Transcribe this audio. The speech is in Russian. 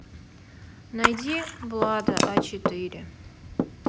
найди влада а четыре